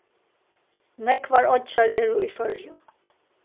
nógvar oyggjar eru í føroyum